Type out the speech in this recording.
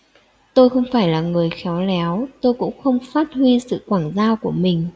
tôi không phải là người khéo léo tôi cũng không phát huy sự quảng giao của mình